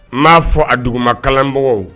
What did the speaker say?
N m'a fɔ a duguma kalanmɔgɔw